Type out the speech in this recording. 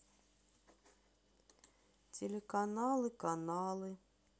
телеканалы каналы